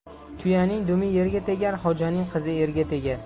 tuyaning dumi yerga tegar xo'janing qizi erga tegar